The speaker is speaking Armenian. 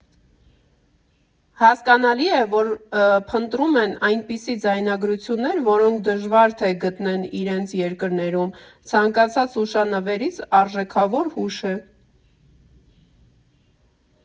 Հասկանալի է, որ փնտրում են այնպիսի ձայնագրություններ, որոնք դժվար թե գտնեն իրենց երկրներում՝ ցանկացած հուշանվերից արժեքավոր հուշ է։